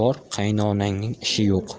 bor qaynonangning ishi yo'q